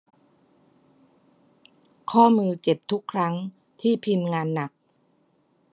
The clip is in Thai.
ข้อมือเจ็บทุกครั้งที่พิมพ์งานหนัก